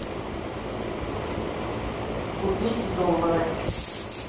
купить доллары